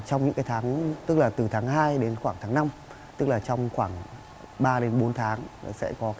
trong những cái tháng tức là từ tháng hai đến khoảng tháng năm tức là trong khoảng ba đến bốn tháng nữa sẽ có